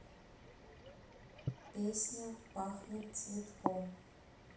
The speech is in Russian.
песня пахнет цветком